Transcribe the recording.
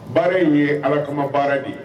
Baara in ye ala kuma baara de ye